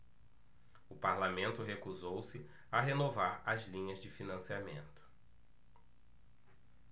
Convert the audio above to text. o parlamento recusou-se a renovar as linhas de financiamento